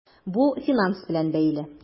Бу финанс белән бәйле.